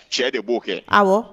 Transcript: Cɛ de bo kɛ awɔ